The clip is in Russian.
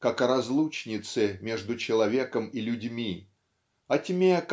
как о разлучнице между человеком и людьми о тьме